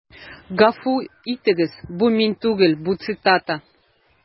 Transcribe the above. Гафу итегез, бу мин түгел, бу цитата.